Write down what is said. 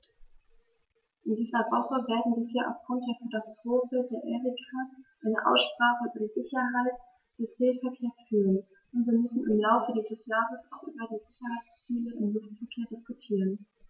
In dieser Woche werden wir hier aufgrund der Katastrophe der Erika eine Aussprache über die Sicherheit des Seeverkehrs führen, und wir müssen im Laufe dieses Jahres auch über die Sicherheitsziele im Luftverkehr diskutieren.